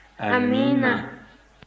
amiina